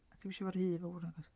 A ddim isio fo rhy fawr nag oes?